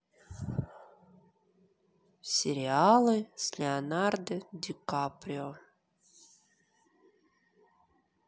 сериалы с леонардо ди каприо